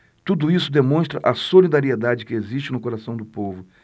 tudo isso demonstra a solidariedade que existe no coração do povo